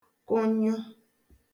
kụnyụ